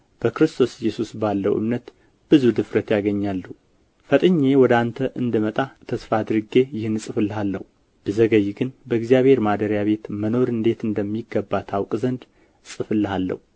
በክርስቶስ ኢየሱስ ባለው እምነት ብዙ ድፍረት ያገኛሉ ፈጥኜ ወደ አንተ እንድመጣ ተስፋ አድርጌ ይህን እጽፍልሃለሁ ብዘገይ ግን በእግዚአብሔር ማደሪያ ቤት መኖር እንዴት እንደሚገባ ታውቅ ዘንድ እጽፍልሃለሁ